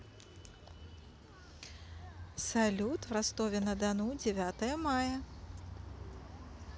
салют в ростове на дону девятое мая